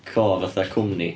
Co, fatha cwmni?